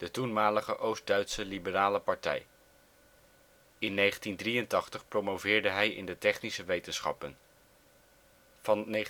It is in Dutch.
toenmalige Oost-Duitse liberale partij. In 1983 promoveerde hij in de technische wetenschappen. Van 1984 tot 1985